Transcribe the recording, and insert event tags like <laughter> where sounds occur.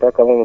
<hesitation>